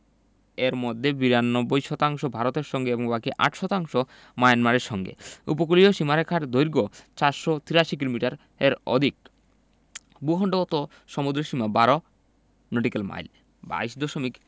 এর মধ্যে ৯২ শতাংশ ভারতের সঙ্গে এবং বাকি ৮ শতাংশ মায়ানমারের সঙ্গে উপকূলীয় সীমারেখার দৈর্ঘ্য ৪৮৩ কিলোমিটারের অধিক ভূখন্ডগত সমুদ্রসীমা ১২ নটিক্যাল মাইল ২২ দশমিক